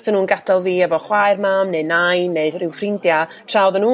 'sa n'w'n gada'l fi efo chwaer mam neu nain neu ryw ffrindia' tra o'dda